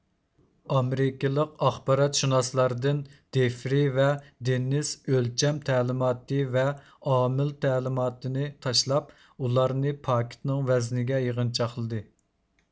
ئامېرىكىلىق ئاخباراتشۇناسلاردىن دېفرې ۋە دېننىس ئۆلچەم تەلىماتى ۋە ئامىل تەلىماتىنى تاشلاپ ئۇلارنى پاكىتنىڭ ۋەزنىگە يىغىنچاقلىدى